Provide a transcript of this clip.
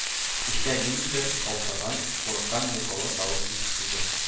Эчтән ниндидер, каушаган, курыккан йокылы тавыш ишетелде: